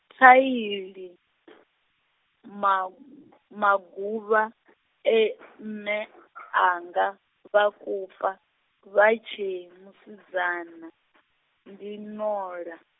thai ḽi, ma-, maguvha, e, mme, anga, vha kupa, vha tshe musidzana, ndi ṋola.